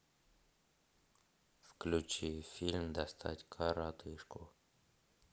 включи фильм достать коротышку